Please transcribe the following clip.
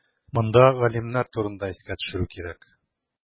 Монда галимнәр турында искә төшерү кирәк.